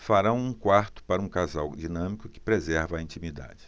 farão um quarto para um casal dinâmico que preserva a intimidade